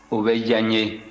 o bɛ diya n ye